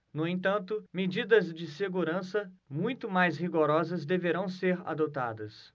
no entanto medidas de segurança muito mais rigorosas deverão ser adotadas